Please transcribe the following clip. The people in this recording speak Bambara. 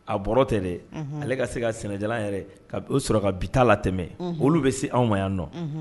A bɔra tɛ dɛ unhun ale kase ka sɛnɛjalan yɛrɛ ka do sɔrɔ ka bi ta latɛmɛ unhun olu be se anw ma yannɔ unhun